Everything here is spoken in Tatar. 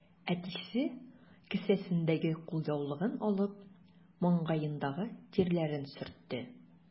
Әтисе, кесәсендәге кулъяулыгын алып, маңгаендагы тирләрен сөртте.